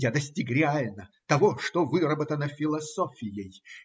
Я достиг реально того, что выработано философией.